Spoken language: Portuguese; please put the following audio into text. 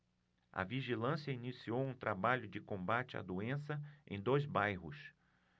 a vigilância iniciou um trabalho de combate à doença em dois bairros